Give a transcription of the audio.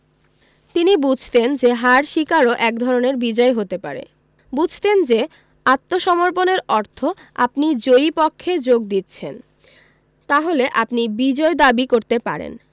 তিনি বুঝতেন যে হার স্বীকারও একধরনের বিজয় হতে পারে বুঝতেন যে আত্মসমর্পণের অর্থ আপনি জয়ী পক্ষে যোগ দিচ্ছেন তাহলে আপনি বিজয় দাবি করতে পারেন